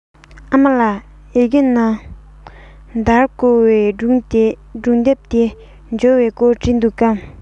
ཨ མ ལགས ཡི གེ ནང ཟླ བསྐུར བའི སྒྲུང དེབ དེ འབྱོར བའི སྐོར བྲིས འདུག གས